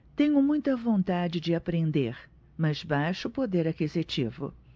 tenho muita vontade de aprender mas baixo poder aquisitivo